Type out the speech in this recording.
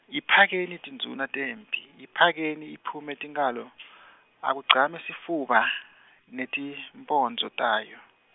Yiphakeni tindvuna temphi, Yiphakeni iphume tinkhalo , Akugcame sifuba, netimphondvo tayo.